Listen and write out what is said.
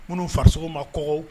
Minnuu faraso ma kɔ